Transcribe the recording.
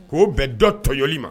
K'o bɛn dɔ tɔjɔli ma